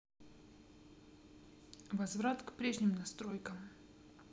возврат к прежним настройкам